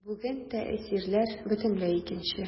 Бүген тәэсирләр бөтенләй икенче.